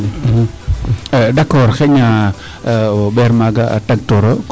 D' acccord xayna o ɓeer maaga tagtoor.